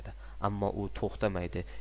ammo u to'xtamaydi